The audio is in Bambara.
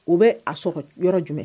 U bɛ a sɔrɔ yɔrɔ jumɛn